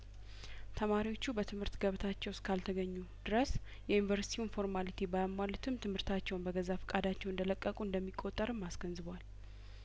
ተማሪዎቹ በትምህርት ገበታቸው እስካል ተገኙ ድረስ የዩኒቨርስቲውን ፎርማሊቲ ባያሟሉትም ትምህርታቸውን በገዛ ፈቃዳቸው እንደለቀቁ እንደሚቆጠርም አስገንዝቧል